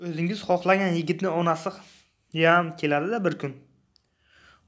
o'zingiz xohlagan yigitning onasiyam keladi da bir kun